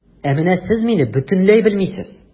Ә менә сез мине бөтенләй белмисез.